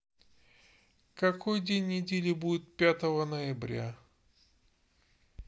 какой день недели будет пятого ноября